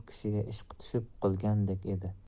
kishiga ishqi tushib qolgandek edi